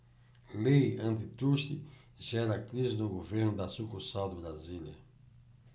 lei antitruste gera crise no governo da sucursal de brasília